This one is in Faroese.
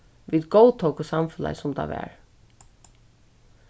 vit góðtóku samfelagið sum tað var